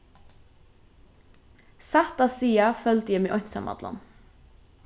satt at siga føldi eg meg einsamallan